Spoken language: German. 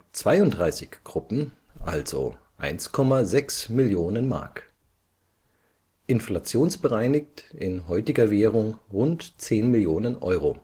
32 Gruppen also 1,6 Millionen Mark (inflationsbereinigt in heutiger Währung: rund 11 Millionen Euro